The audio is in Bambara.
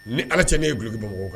Ni ala tɛ ne ye gki don mɔgɔw kan